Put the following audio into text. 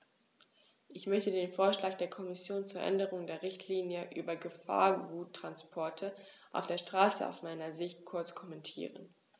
Ich möchte den Vorschlag der Kommission zur Änderung der Richtlinie über Gefahrguttransporte auf der Straße aus meiner Sicht kurz kommentieren.